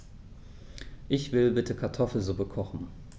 Ich will bitte Kartoffelsuppe kochen.